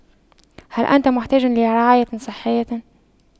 هل أنت محتاج لرعاية صحية